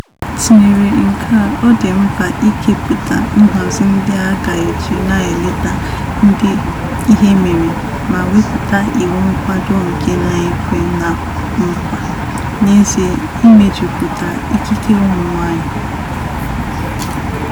Tinyere nke a, ọ dị mkpa ikepụta nhazi ndị a ga-eji na-eleta ndị ihe mere ma wepụta iwu nkwado nke na-ekwe nkwa n'ezie imejupụta ikike ụmụ nwaanyị.